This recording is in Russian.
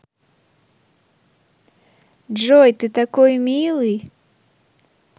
джой ты такой милый